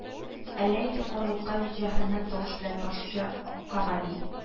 Әллә нинди карлыккан җәһәннәм тавыш белән ташчы Камали: